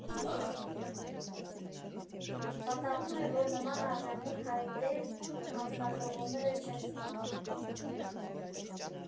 Պատահում է, որ նման արժանի հայտեր հանձնաժողովները չեն ստանում։